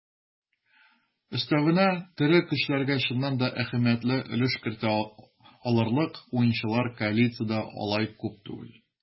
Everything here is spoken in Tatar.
Өстәвенә, тере көчләргә чыннан да әһәмиятле өлеш кертә алырлык уенчылар коалициядә алай күп түгел.